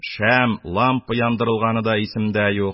Шәм, лампа яндырылганы да исемдә юк,